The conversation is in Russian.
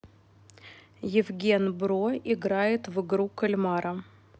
евген бро играет в игру кальмара